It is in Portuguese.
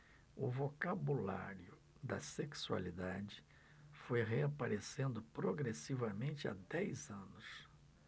o vocabulário da sexualidade foi reaparecendo progressivamente há dez anos